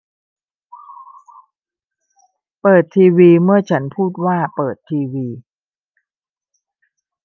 เปิดทีวีเมื่อฉันพูดว่าเปิดทีวี